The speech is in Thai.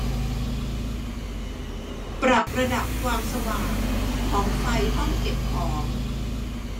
ปรับระดับความสว่างของไฟห้องเก็บของ